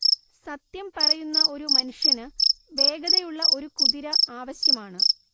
സത്യം പറയുന്ന ഒരു മനുഷ്യന് വേഗതയുള്ള ഒരു കുതിര ആവശ്യമാണ്